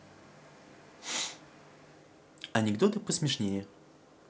анекдоты посмешнее